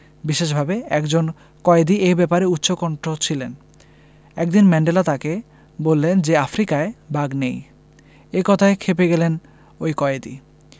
বিশেষভাবে একজন কয়েদি এ ব্যাপারে উচ্চকণ্ঠ ছিলেন একদিন ম্যান্ডেলা তাঁকে বললেন যে আফ্রিকায় বাঘ নেই এ কথায় খেপে গেলেন ওই কয়েদি